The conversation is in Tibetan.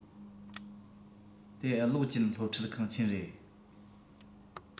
དེ གློག ཅན སློབ ཁྲིད ཁང ཆེན རེད